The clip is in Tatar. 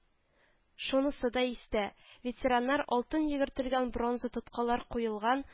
Шунысы да истә, ветераннар алтын йөгертелгән бронза тоткалар куелган